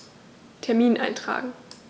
Termin eintragen